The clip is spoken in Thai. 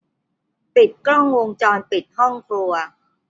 ปิดกล้องวงจรปิดห้องครัว